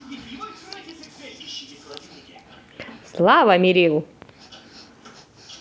слава мерил